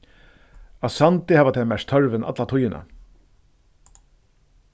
á sandi hava tey merkt tørvin alla tíðina